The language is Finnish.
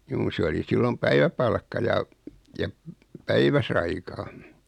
juu se oli silloin päiväpalkka ja ja - päiväsaikaan